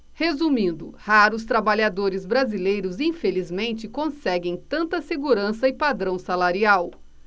resumindo raros trabalhadores brasileiros infelizmente conseguem tanta segurança e padrão salarial